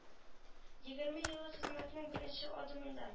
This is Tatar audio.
Егерме еллык хезмәтнең беренче адымында